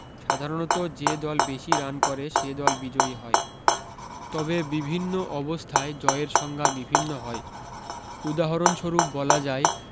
সাধারণত যে দল বেশী রান করে সে দল বিজয়ী হয় তবে বিভিন্ন অবস্থায় জয়ের সংজ্ঞা বিভিন্ন হয় উদাহরণস্বরুপ বলা যায়